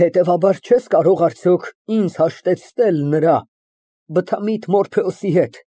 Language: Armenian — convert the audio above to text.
Հետևաբար, չե՞ս կարող, արդյոք, ինձ հաշտեցնել նրա բթամիտ Մորփեոսի հետ։